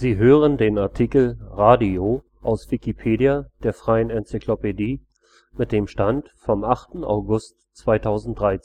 hören den Artikel Radio, aus Wikipedia, der freien Enzyklopädie. Mit dem Stand vom Der